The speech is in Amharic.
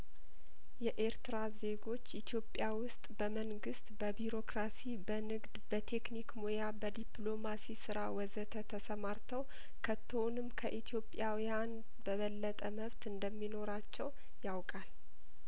የኤርትራ ዜጐች ኢትዮጵያ ውስጥ በመንግስት በቢሮክራሲ በንግድ በቴክኒክ ሙያ በዲፕሎማሲ ስራ ወዘተ ተሰማር ተው ከቶ ውንም ከኢትዮጵያውያን በበለጠ መብት እንደሚኖራቸው ያውቃል